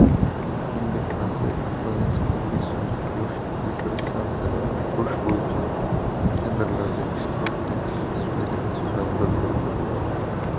shuningdek rossiya kompaniyasi o'zbekistonda quyosh elektrostansiyalari qurish bo'yicha tenderlarda ishtirok etish istagini ham bildirdi